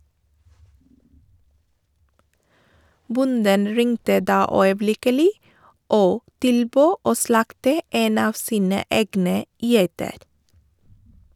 Bonden ringte da øyeblikkelig og tilbød å slakte en av sine egne geiter.